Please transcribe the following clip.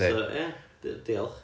so ia di- diolch.